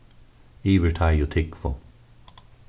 yvir teig og túgvu